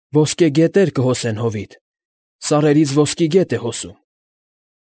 «Ոսկե գետեր կհոսեն հովիտ»։ Սարերից ոսկի գետ է հոսում։